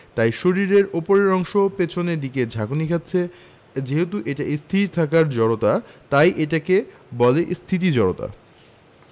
তাই শরীরের ওপরের অংশ পেছনের দিকে ঝাঁকুনি খাচ্ছে যেহেতু এটা স্থির থাকার জড়তা তাই এটাকে বলে স্থিতি জড়তা